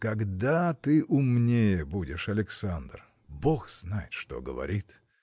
– Когда ты умнее будешь, Александр? Бог знает что говорит!